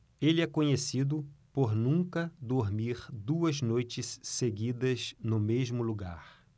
ele é conhecido por nunca dormir duas noites seguidas no mesmo lugar